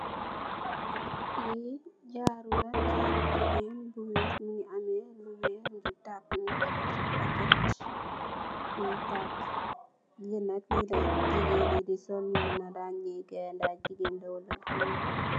Li jaaru la jaaru jigeen bu wiss mogi ame lu weex ki taka nyun ko def si packet lui taka lea nak li la jigeen yi di sol nyu muna ranyee goor la wala jigeen.